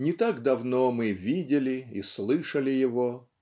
Не так давно мы видели и слышали его